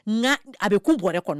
Nka a bɛ ku bɔrɛ kɔnɔ.